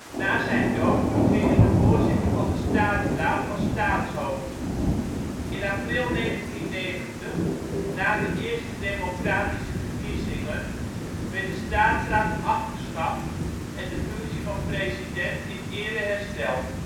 Na zijn dood fungeerde de voorzitter van de Staatsraad als staatshoofd. In april 1990 - na de eerste democratische verkiezingen (Volkskammerwahl) - werd de Staatsraad afgeschaft en de functie van president in ere hersteld